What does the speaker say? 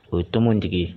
O ye ye